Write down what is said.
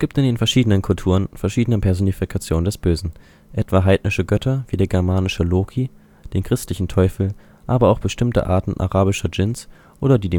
den verschiedenen Kulturen verschiedene Personifikationen des Bösen, etwa heidnische Götter wie der germanische Loki, den christlichen Teufel, aber auch bestimmte Arten arabischer Dschinns oder die